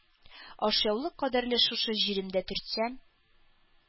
Ашъяулык кадәрле шушы җиремдә төртсәм